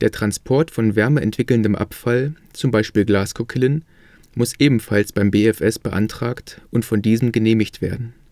Transport von wärmeentwickelndem Abfall (z. B. Glaskokillen) muss ebenfalls beim BfS beantragt und von diesem genehmigt werden